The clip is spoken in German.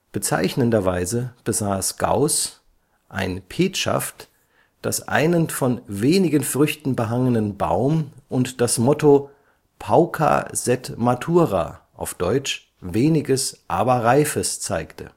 Bezeichnenderweise besaß Gauß ein Petschaft, das einen von wenigen Früchten behangenen Baum und das Motto „ Pauca sed matura “(deutsch: „ Weniges, aber Reifes “) zeigte